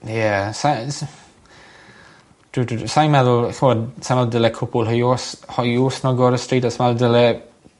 ie sai yy sy- dw- dwi... Sai'n meddwl ch'mod sai meddwl dyle cwpwl hoiws hoyw snogo ar y stryd os na dyle